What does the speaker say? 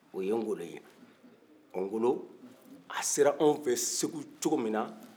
o ye ŋolo ye ɔɔ ŋolo a sera anw fɛ segu cogomin na